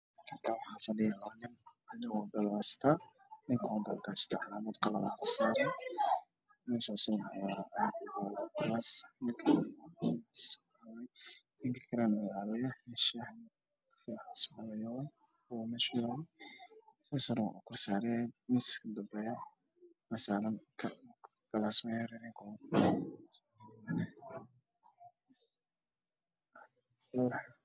Halkan waxaa fadhiya labo nin waxaa dhex yaalo miis